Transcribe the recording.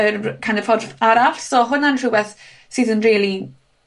yr kind of ffordd arall. So hwnna'n rhwbeth sydd yn rili